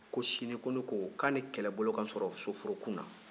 ko sini ko ne ko k'a ni kɛlɛbolo ka n sɔrɔ soforokun na